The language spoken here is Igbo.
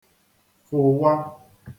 fụ̀wa